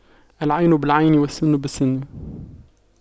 العين بالعين والسن بالسن